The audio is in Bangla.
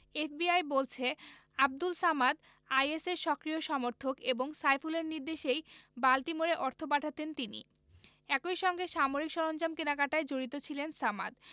এফবিআই বলছে আবদুল সামাদ আইএসের সক্রিয় সমর্থক এবং সাইফুলের নির্দেশেই বাল্টিমোরে অর্থ পাঠাতেন তিনি একই সঙ্গে সামরিক সরঞ্জাম কেনাকাটায় জড়িত ছিলেন সামাদ